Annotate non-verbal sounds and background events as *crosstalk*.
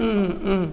*hesitation* *hesitation* *hesitation* *hesitation*